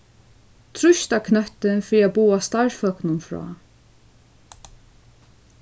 trýst á knøttin fyri at boða starvsfólkunum frá